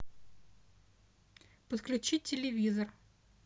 подключить телевизор